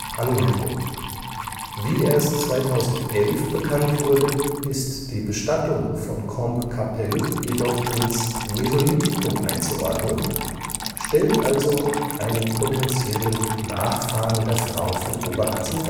Anm.: Wie erst 2011 bekannt wurde, ist die Bestattung von Combe Capelle jedoch ins Mesolithikum einzuordnen, stellt also einen potenziellen Nachfahren der Frau von Oberkassel